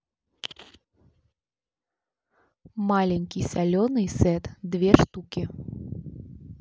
маленький соленый сет две штуки